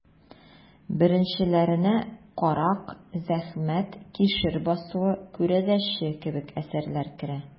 Беренчеләренә «Карак», «Зәхмәт», «Кишер басуы», «Күрәзәче» кебек әсәрләр керә.